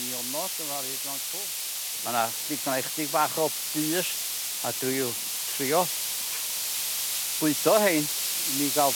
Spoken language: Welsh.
nionod yma ryd fan 'cw. Ma' 'na digon ne' chydig bach o bys a dwi w- trio bwydo rhein i mi ga'l